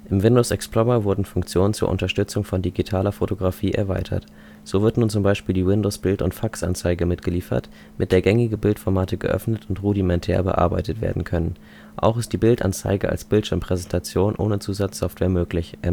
Im Windows-Explorer wurden Funktionen zur Unterstützung von digitaler Fotografie erweitert. So wird nun z. B. die Windows Bild - und Faxanzeige mitgeliefert, mit der gängige Bildformate geöffnet und rudimentär bearbeitet werden können. Auch ist die Bildanzeige als Bildschirmpräsentation ohne Zusatzsoftware möglich